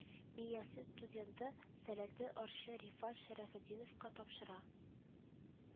Миясе студенты, сәләтле ырчы рифат шәрәфетдиновка тапшыра